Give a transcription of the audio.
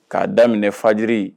K'a daminɛ fajiri